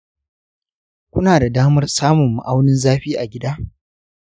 kuna da damar samun ma'aunin zafi a gida?